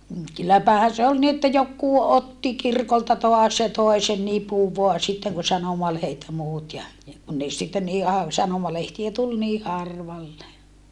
mm kylläpähän se oli niin että joku otti kirkolta taas ja toi sen nipun vain sitten kun sanomalehdet ja muut ja ja kun ne sitten niin - sanomalehtiä tuli niin harvalle